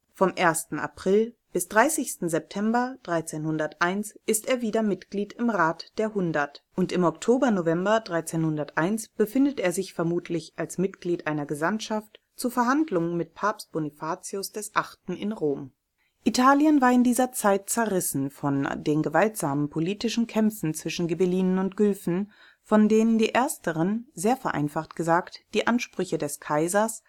Vom 1. April bis 30. September 1301 ist er wieder Mitglied im Rat der Hundert, und im Oktober/November 1301 befindet er sich vermutlich als Mitglied einer Gesandtschaft zu Verhandlungen mit Papst Bonifatius VIII. in Rom. Italien war in dieser Zeit zerrissen von den gewaltsamen politischen Kämpfen zwischen Ghibellinen und Guelfen, von denen die Ersteren, sehr vereinfacht gesagt, die Ansprüche des Kaisers